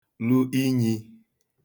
lu inyī